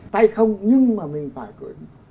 tay không nhưng mà mình phải khởi nghĩa